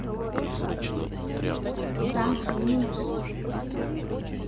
танцы минус